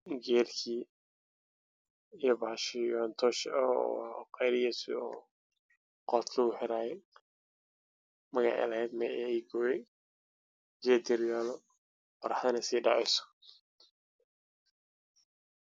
Waa geel daaqayaan qorax sii dhacayso